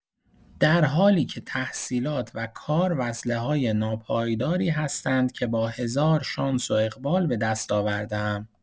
در حالی‌که تحصیلات و کار وصله‌های ناپایداری هستند که با هزار شانس و اقبال به دست آورده‌ام.